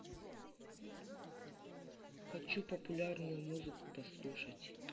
хочу популярную музыку послушать